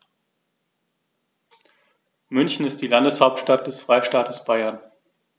München ist die Landeshauptstadt des Freistaates Bayern.